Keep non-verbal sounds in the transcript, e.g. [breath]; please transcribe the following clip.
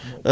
[breath] [hesitation] [hesitation]